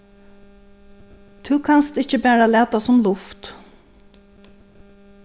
tú kanst ikki bara lata sum luft